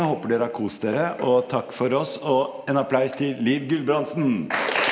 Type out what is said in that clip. jeg håper dere har kost dere, og takk for oss og en applaus til Liv Guldbransen.